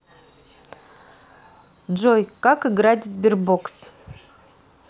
джой как играть в sberbox